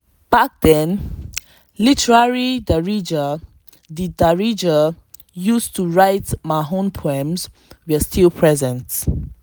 Back then, literary Darija, the Darija used to write Malhoun poems, was still present.